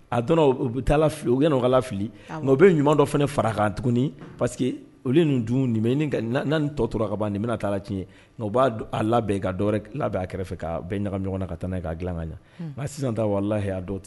A dɔ la,u bɛ taa lafili, yanni u taa lafili mais u bɛ ɲuman dɔ fana fara kan tuguni parce que olu nin dun, nin bɛn ɲini ka na ni tɔ tora ka ban nin bɛna taa lacɛn mais u b'a labɛn ka dɔ wɛrɛ labɛn a kɛrɛfɛ ka bɛɛ ɲagami ɲɔgɔn na ka taa n'a ye k'a dilan ka ɲɛ. Hali sisan taw walahi a dɔ t